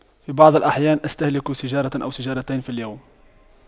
في بعض الأحيان استهلك سيجارة أو سيجارتين في اليوم